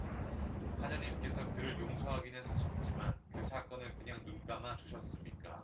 하느님께서 그를 용서하기는 하셨지만 그 사건을 그냥 눈감아 주셨습니까